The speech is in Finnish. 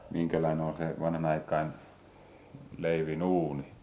minkälainen oli se vanhanaikainen leivinuuni